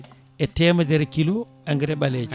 e temedere kilos engrais ɓaalejo